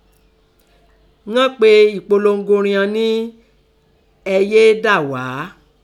Ián pe ẹ̀polongo rian ní “Ẹ̀ Yé é Dà ghá"